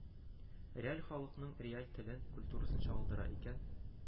Реаль халыкның реаль телен, культурасын чагылдыра икән,